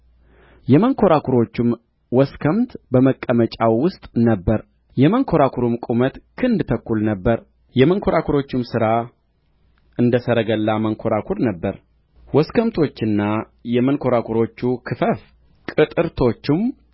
የመንኰራኵሮቹም ወስከምት በመቀመጫው ውስጥ ነበረ የመንኰራኵሩም ቁመት ክንድ ተኩል ነበረ የመንኰራኵሮቹም ሥራ እንደ ሰረገላ መንኰራኵር ነበረ ወስከምቶቹና የመንኰራኵሮቹ ክፈፍ ቅትርቶቹም